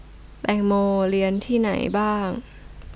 แตงโมเรียนที่ไหนบ้าง